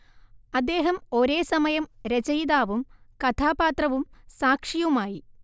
അദ്ദേഹം ഒരേസമയം രചയിതാവും കഥാപാത്രവും സാക്ഷിയുമായി